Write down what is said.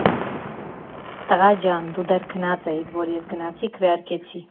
֊Տղա ջան, դու դեռ քնած էիր, որ ես գնացի քվեարկեցի։